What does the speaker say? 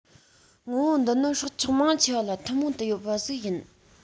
ངོ བོ འདི ནི སྲོག ཆགས མང ཆེ བ ལ ཐུན མོང དུ ཡོད པ ཞིག ཡིན